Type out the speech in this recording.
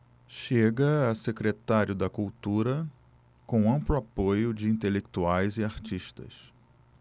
chega a secretário da cultura com amplo apoio de intelectuais e artistas